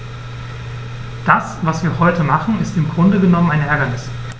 Das, was wir heute machen, ist im Grunde genommen ein Ärgernis.